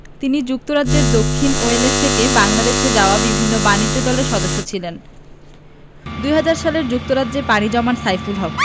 তিনি যুক্তরাজ্যের দক্ষিণ ওয়েলস থেকে বাংলাদেশে যাওয়া বিভিন্ন বাণিজ্য দলের সদস্য ছিলেন ২০০০ সালে যুক্তরাজ্যে পাড়ি জমান সাইফুল হক